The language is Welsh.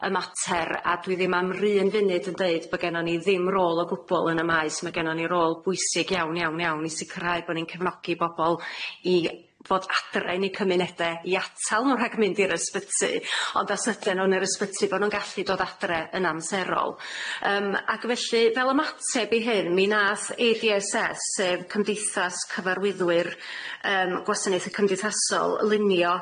y mater a dwi ddim am run funud yn deud bo' gennon ni ddim rôl o gwbwl yn y maes ma' gennon ni rôl bwysig iawn iawn iawn i sicirhau bo' ni'n cefnogi bobol i fod adre yn eu cymunede i atal nw rhag mynd i'r ysbyty ond as ydyn nhw yn yr ysbyty bo' nw'n gallu dod adre yn amserol yym ac felly fel ymateb i hyn mi nath Ei Di Es Es sef cymdeithas cyfarwyddwyr yym gwasanaethe cymdeithasol lunio